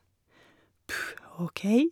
Puh, OK.